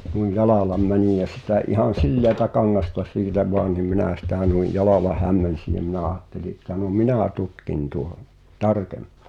noin jalalla menin ja sitä ihan sileätä kangasta siitä vain niin minä sitä noin jalalla hämmensin ja minä ajattelin että no minä tutkin tuon tarkemmin